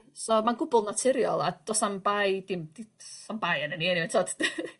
So ma'n gwbwl naturiol a do's 'na'm bai dim b- t- s- 'snam bai arnyn ni eniwe t'od ...